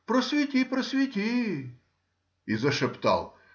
Просвети, просвети,— и зашептал